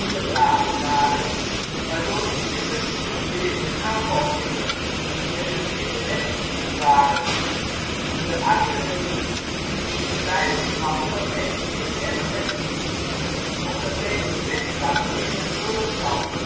geslagen waren waardoor ze minder gegroepeerd ten aanval gingen, en dus minder effectief waren. De artillerie die zij bij zich hadden was evenmin erg effectief, omdat deze wegzakte in het mulle zand.